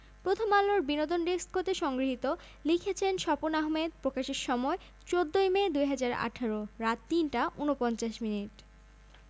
মালিহাকে রেড কার্পেটের প্রবেশদ্বারে রেখে আমি আর শ্যানন চলে গেলাম ভারতীয় প্যাভিলিয়নে দুবাইয়ের ডিজাইনার মাইক সিঙ্কোর ডিজাইন করা পোশাক করে ঐশ্বরিয়া রাই রেড কার্পেটে এসেছেন